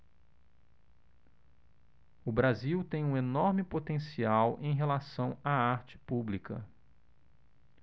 o brasil tem um enorme potencial em relação à arte pública